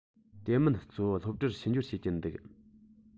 དེ མིན གཙོ བོ སློབ གྲྭར ཕྱི འབྱོར བྱེད ཀྱིན འདུག